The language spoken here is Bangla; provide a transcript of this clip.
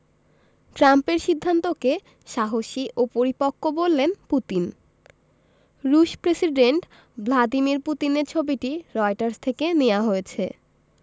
ট্রাম্পের সিদ্ধান্তকে সাহসী ও পরিপক্ব বললেন পুতিন রুশ প্রেসিডেন্ট ভ্লাদিমির পুতিনের ছবিটি রয়টার্স থেকে নেয়া হয়েছে